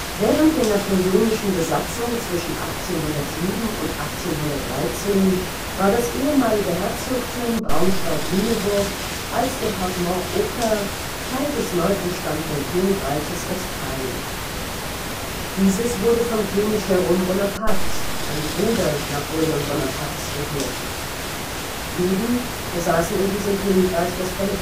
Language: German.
Während der napoleonischen Besatzung zwischen 1807 und 1813 war das ehemalige Herzogtums Braunschweig-Lüneburg als „ Département Oker “Teil des neu entstandenen Königreiches Westphalen. Dieses wurde von König Jérôme Bonaparte, einem Bruder Napoléon Bonapartes, regiert. Juden besaßen in diesem Königreich das volle